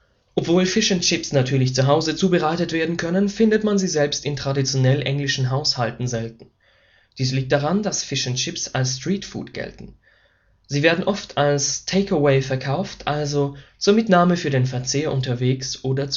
Obwohl Fish and Chips natürlich zu Hause zubereitet werden können, findet man sie selbst in traditionell englischen Haushalten selten. Dies liegt daran, dass Fish’ n’ Chips als „ Streetfood “gelten. Sie werden oft als Take-away verkauft, also zur Mitnahme für den Verzehr unterwegs oder